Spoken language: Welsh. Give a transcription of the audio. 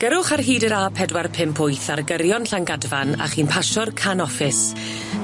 Gyrrwch ar hyd yr a pedwar pump wyth ar y gyrion Llangadfan a chi'n pasio'r can office.